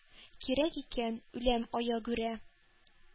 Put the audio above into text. Кирәк икән, үләм аягүрә,